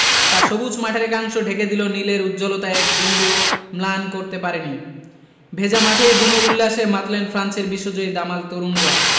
তা সবুজ মাঠের একাংশ ঢেকে দিলেও নীলের উজ্জ্বলতা এক বিন্দুও ম্লান করতে পারেনি ভেজা মাঠেই বুনো উল্লাসে মাতলেন ফ্রান্সের বিশ্বজয়ী দামাল তরুণরা